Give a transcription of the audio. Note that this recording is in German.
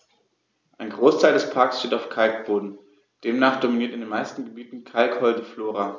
Ein Großteil des Parks steht auf Kalkboden, demnach dominiert in den meisten Gebieten kalkholde Flora.